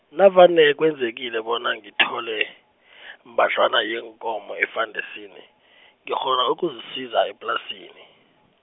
navane kwenzekile bona ngithole , mbadlwana yeenkomo efandesini, ngikghona ukuzisiza eplasini.